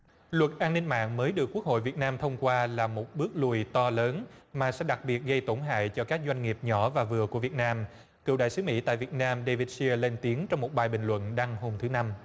luật an ninh mạng mới được quốc hội việt nam thông qua là một bước lùi to lớn mà sẽ đặc biệt gây tổn hại cho các doanh nghiệp nhỏ và vừa của việt nam cựu đại sứ mỹ tại việt nam đây vít chia lên tiếng trong một bài bình luận đăng hôm thứ năm